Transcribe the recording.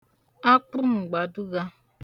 akprụ m̀gbàdụgā